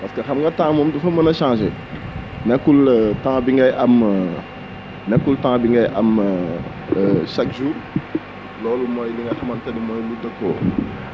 parce que xam nga temps moom dafa mën a changé nekkul temps bi ngay am neklkul temps bi ngay am chaque jour loolu mooy li nga xamante ni mooy lu dëppoo